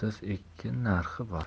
o'ttiz ikki narxi bor